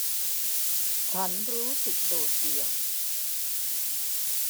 ฉันรู้สึกโดดเดี่ยว